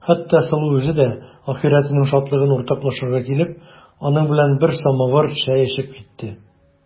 Хәтта Сылу үзе дә ахирәтенең шатлыгын уртаклашырга килеп, аның белән бер самавыр чәй эчеп китте.